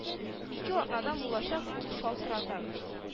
Ике атнадан булачак ул шалтыратыгыз